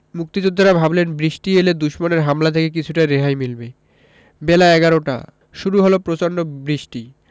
মুক্তিযোদ্ধারা ভাবলেন বৃষ্টি এলে দুশমনের হামলা থেকে কিছুটা রেহাই মিলবে বেলা এগারোটা শুরু হলো প্রচণ্ড বৃষ্টি